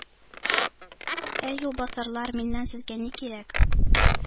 — әй, юлбасарлар, миннән сезгә ни кирәк?